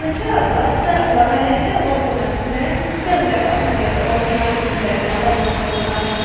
Алтынчы абзацта «вәкаләтле органнар» сүзләрен «дәүләт хакимияте органнары» сүзләренә алмаштырырга;